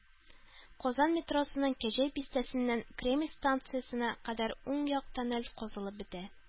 Казан метросының “Кәҗә бистәсе”ннән “Кремль” станциясенә кадәр уң як тоннель казылып бетә